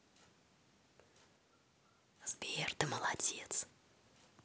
сбер ты молодец